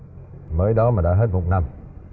mới đó mà đã hết một năm